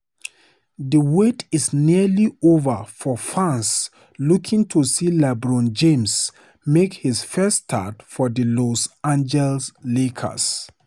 The wait is nearly over for fans looking to see LeBron James make his first start for the Los Angeles Lakers.